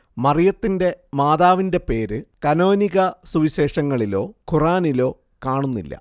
മറിയത്തിന്റെ മാതാവിന്റെ പേരു കാനോനിക സുവിശേഷങ്ങളിലോ ഖുർആനിലോ കാണുന്നില്ല